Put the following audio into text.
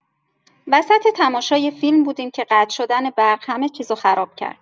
وسط تماشای فیلم بودیم که قطع شدن برق همه چیزو خراب کرد.